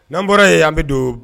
N'an bɔra yen an bɛ don